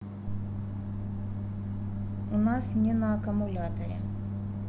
у нас не на акумуляторе